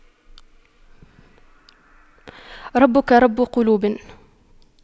ربك رب قلوب